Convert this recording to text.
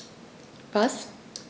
Was?